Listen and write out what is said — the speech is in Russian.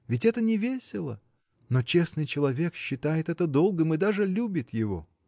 Ведь это невесело — но честный человек считает это долгом и даже любит его!